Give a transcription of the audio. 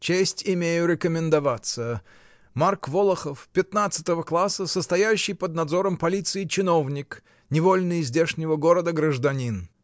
— Честь имею рекомендоваться: Марк Волохов, пятнадцатого класса, состоящий под надзором полиции чиновник, невольный здешнего города гражданин!